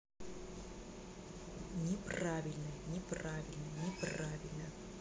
неправильно неправильно неправильно